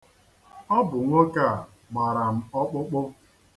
Ọ bụ nwoke a gbara m ọkpụkpụ.